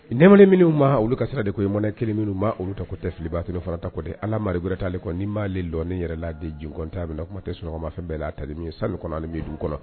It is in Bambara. Nɛɛmaklen minnu ma olu ka sira di , ko mɔnɛ kelen minnu b' olu ta ko tɛ filiban ci fana ta ko tɛ allah maa wɛrɛ t'a le kɔ nɔ n'i m' ale dɔn min yɛrɛ la di jinkɔn t'a minɛ, kuma tɛ sunɔgɔma fɛn bɛɛ la ta de ye sanu kɔnɔ bi dun kɔnɔ